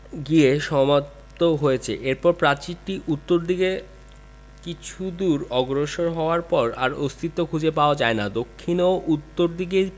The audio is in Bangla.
গিয়ে সমাপ্ত হয়েছে এরপর প্রাচীরটি উত্তর দিকে কিছু দূর অগ্রসর হওয়ার পর আর অস্তিত্ব খুঁজে পাওয়া যায় না দক্ষিণ ও উত্তর দিকের